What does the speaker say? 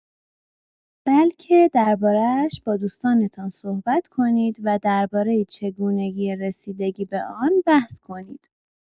بلکه درباره‌اش با دوستانتان صحبت کنید و درباره چگونگی رسیدگی به آن بحث کنید.